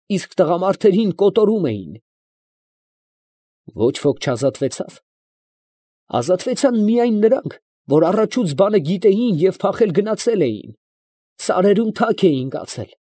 Իսկ տղամարդերին կոտորում էին։ ֊ Ոչ ոք չազատվեցա՞վ։ ֊ Ազատվեցան նրանք միայն, որ առաջուց բանը գիտեին ու փախել գնացել էին, սարերում թաք էին կացել։